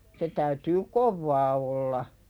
se täytyy kovaa olla